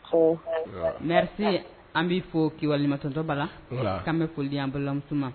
Ɔme an bɛ fɔ kiwatɔntɔba la k'an bɛ foli an balimalanmuso